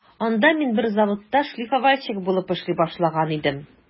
Анда мин бер заводта шлифовальщик булып эшли башлаган идем.